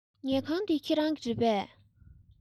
ཉལ ཁང འདི ཁྱེད རང གི རེད པས